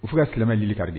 U f'u ka tilema lili kari de